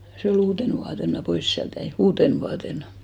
se oli uutena vuotena minä pois sieltä jäin uutena vuotena